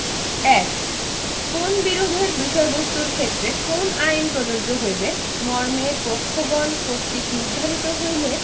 ১ কোন বিরোধের বিষয়বস্তুর ক্ষেত্রে কোন আইন প্রযোজ্য হইবে মর্মে পক্ষগণ কর্তৃক নির্ধারিত হইলে